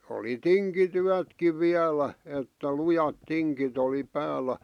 oli tinkityötkin vielä että lujat tingit oli päällä